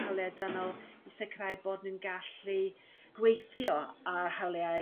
hawlia' dynol i sicrhau bod n'w'n gallu gweithio ar hawliau